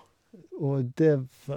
Og det va...